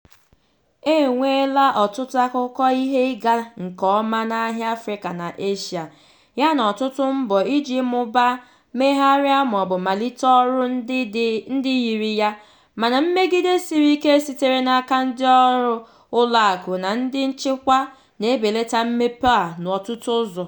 E nweela ọtụtụ akụkọ ihe ịga nke ọma n'ahịa Afrịka na Asia, yana ọtụtụ mbọ iji mụbaa, megharịa maọbụ malite ọrụ ndị yiri ya, mana mmegide siri ike sitere n'aka ndịọrụ ụlọakụ na ndị nchịkwa na-ebelata mmepe a n'ọtụtụ ụzọ.